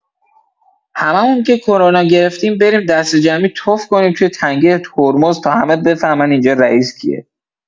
همه‌مون که کرونا گرفتیم بریم دسته‌جمعی تف کنیم توی تنگه هرمز تا همه بفهمن اینجا رئیس کیه